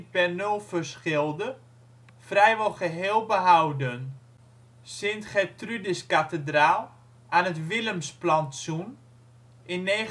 Bernulphusgilde, vrijwel geheel behouden. Sint-Gertrudiskathedraal aan het Willemsplantsoen, in 1912-1914